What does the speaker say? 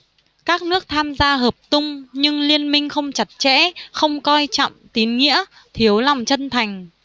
các nước tham gia hợp tung nhưng liên minh không chặt chẽ không coi trọng tín nghĩa thiếu lòng chân thành